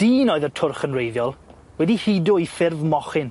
Dyn oedd y twrch yn wreiddiol, wedi hudo i ffyrdd mochyn.